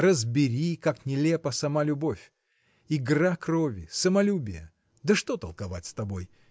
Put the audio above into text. Разбери, как нелепа сама любовь: игра крови, самолюбие. Да что толковать с тобой